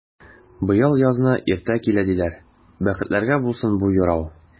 Быел язны иртә килә, диләр, бәхетләргә булсын бу юрау!